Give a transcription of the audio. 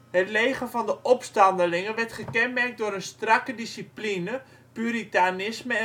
Het leger van de opstandelingen werd gekenmerkt door een strakke discipline, puritanisme